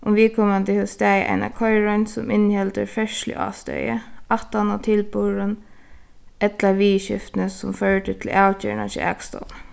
um viðkomandi hevur staðið eina koyriroynd sum inniheldur ferðsluástøði aftan á tilburðin ella viðurskiftini sum førdu til avgerðina hjá akstovuni